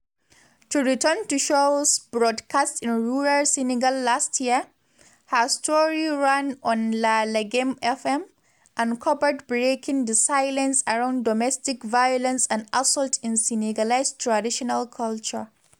To return to Sow's broadcast in rural Senegal last year: her story ran on La Laghem FM, and covered breaking the silence around domestic violence and assault in Senegalese traditional culture.